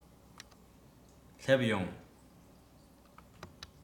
སླེབས ཡོང